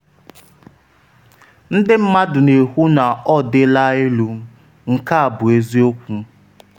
“Ndị mmadụ na-ekwu na ọ dịla elu; nke a bụ eziokwu.